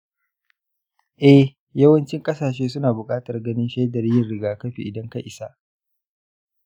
eh, yawancin kasashe suna bukatar ganin shaidar yin rigakafi idan ka isa.